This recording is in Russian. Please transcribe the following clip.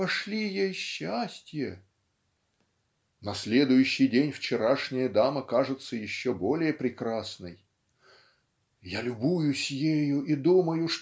Пошли ей счастье!" На следующий день вчерашняя дама кажется еще более прекрасной. "Я любуюсь ею и думаю